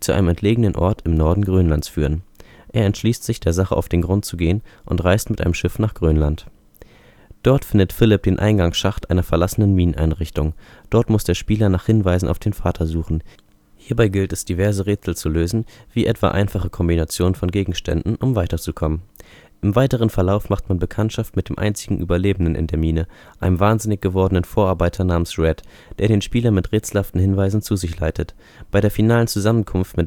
entlegenen Ort im Norden Grönlands führen. Er entschließt sich, der Sache auf den Grund zu gehen, und reist mit einem Schiff nach Grönland. Dort findet Philipp den Eingangsschacht einer verlassenen Mineneinrichtung. Dort muss der Spieler nach Hinweisen auf den Vater suchen. Hierbei gilt es diverse Rätsel zu lösen, wie etwa einfache Kombinationen von Gegenständen, um weiterzukommen. Im weiteren Verlauf macht man Bekanntschaft mit dem einzigen Überlebenden in der Mine, einem wahnsinnig gewordenen Vorarbeiter namens Red, der den Spieler mit rätselhaften Hinweisen zu sich leitet. Bei der finalen Zusammenkunft mit Red